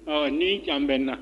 Ɔɔ!